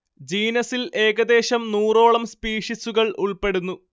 ജീനസിൽ ഏകദേശം നൂറോളം സ്പീഷിസുകൾ ഉൾപ്പെടുന്നു